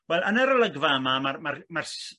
wel yn yr olygfa yma ma'r ma'r s-